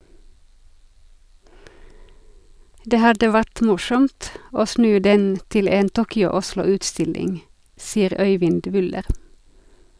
Det hadde vært morsomt å snu den til en "Tokyo-Oslo-utstilling" , sier Øyvind Wyller.